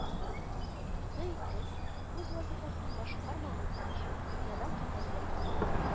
Дый эт, үз вазифасын башкармаган килеш, дөньядан китәргә